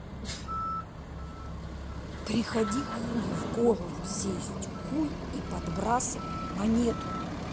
приходи хуй в голову сесть хуй и подбрасывать монетку